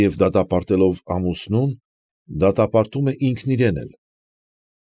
Եվ դատապարտելով ամուսնուն, դատապարտում է ինքն իրեն էլ։